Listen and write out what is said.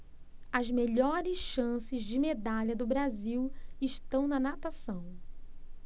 as melhores chances de medalha do brasil estão na natação